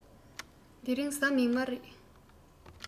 དེ རིང གཟའ མིག དམར རེད